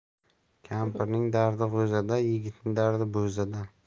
kampirning dardi g'o'zada yigitning dardi bo'zada